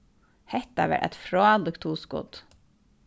hetta var eitt frálíkt hugskot